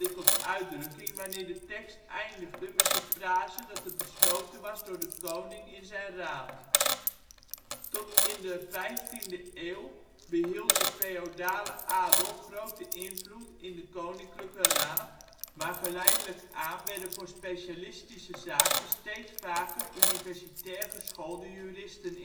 tot uitdrukking wanneer de tekst eindigde met de frase dat het besloten was door " de koning in zijn raad " (le roi en son conseil). Tot in de 15e eeuw behield de feodale adel grote invloed in de koninklijke raad, maar geleidelijk aan werden voor specialistische zaken steeds vaker universitair geschoolde juristen